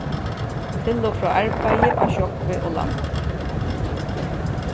til og frá arbeiði á sjógvi og landi